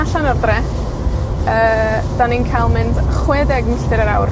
allan o'r dre, yy, 'dan ni'n ca'l mynd chwe deg milltir yr awr.